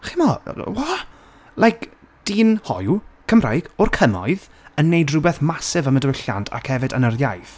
Chimod? What? Like, dyn hoyw, Cymraeg, o'r cymoedd, yn wneud rywbeth massive am y dywylliant, ac hefyd yn yr iaith.